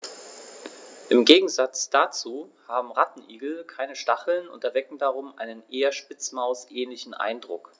Im Gegensatz dazu haben Rattenigel keine Stacheln und erwecken darum einen eher Spitzmaus-ähnlichen Eindruck.